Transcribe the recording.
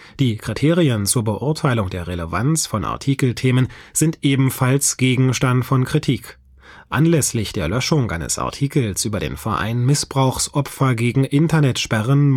Die Kriterien zur Beurteilung der Relevanz von Artikelthemen sind ebenfalls Gegenstand von Kritik. Anlässlich der Löschung eines Artikels über den Verein MissbrauchsOpfer Gegen InternetSperren